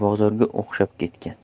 bozorga o'xshab ketgan